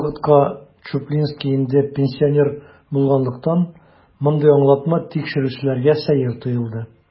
Бу вакытка Чуплинский инде пенсионер булганлыктан, мондый аңлатма тикшерүчеләргә сәер тоелды.